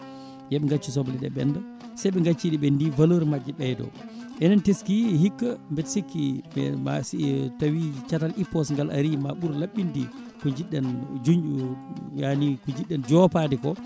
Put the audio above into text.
yooɓe gaccu sobleɗe ɓenda seeɓe gacci ɗe ɓendi valeur majje ɓeydo enen teski hikka mbeɗa sikki * so tawi caatal IPOS ngal ari ma ɓuur laɓɓinde ko jiɗɗen joopade ko